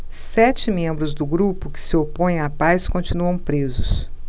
sete membros do grupo que se opõe à paz continuam presos